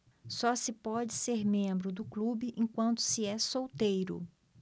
só se pode ser membro do clube enquanto se é solteiro